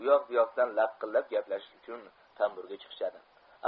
u yoq bu yoqdan laqillab gaplashish uchun tamburga chiqishadi